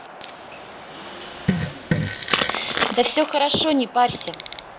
да все хорошо не парься